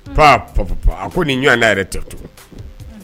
Pa pa pa a ko nin ɲɔgɔn yɛrɛ tɛ tugun!